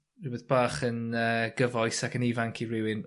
rwbeth bach yn yy gyfoes ac yn ifanc i rywun